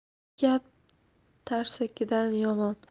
yomon gap tarsakidan yomon